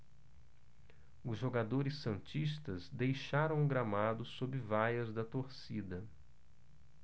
os jogadores santistas deixaram o gramado sob vaias da torcida